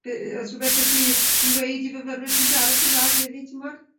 be' o- o's rwbeth 'da ti i weud i fyfyrwyr sy'n siarad Cymra'g heddi t'mod?